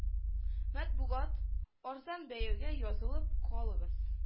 Матбугат- арзан бәягә язылып калыгыз